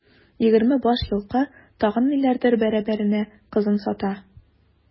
Егерме баш елкы, тагын ниләрдер бәрабәренә кызын сата.